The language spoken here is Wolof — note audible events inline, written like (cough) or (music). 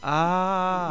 (hesitation) (hesitation) (hesitation)